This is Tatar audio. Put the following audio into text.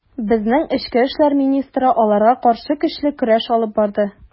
Безнең эчке эшләр министры аларга каршы көчле көрәш алып барды.